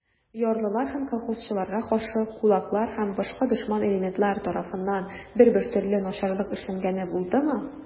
Ярлылар һәм колхозчыларга каршы кулаклар һәм башка дошман элементлар тарафыннан бер-бер төрле начарлык эшләнгәне булдымы?